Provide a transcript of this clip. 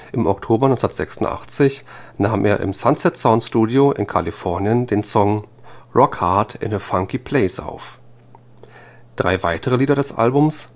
Im Oktober 1986 nahm er im Sunset-Sound-Studio in Kalifornien den Song Rockhard in a Funky Place auf. Drei weitere Lieder des Albums